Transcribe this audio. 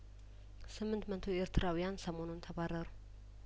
ስምንት መቶ ኤርትራውያን ሰሞኑን ተባረሩ